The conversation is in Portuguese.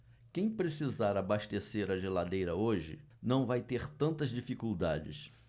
quem precisar abastecer a geladeira hoje não vai ter tantas dificuldades